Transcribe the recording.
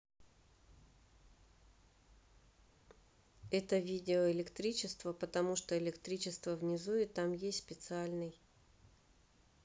это видео электричество потому что электричество внизу и там есть специальный